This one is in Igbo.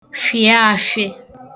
fhịafhị